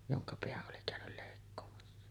jonka pään oli käynyt leikkaamassa